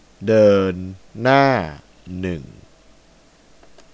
เดินหน้าหนึ่ง